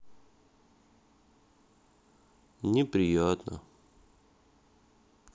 неприятно